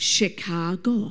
Chicago.